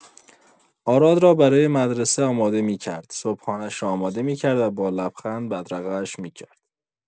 آراد را برای مدرسه آماده می‌کرد، صبحانه‌اش را آماده می‌کرد و با لبخند بدرقه‌اش می‌کرد.